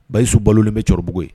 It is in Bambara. Bayisu balolen bɛ cɔrɔbabugu yen